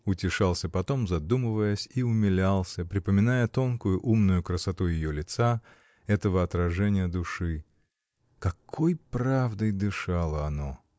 — утешался потом, задумываясь, и умилялся, припоминая тонкую, умную красоту ее лица, этого отражения души. Какой правдой дышало оно!